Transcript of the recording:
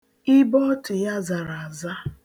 Ibeọtụ ya zara aza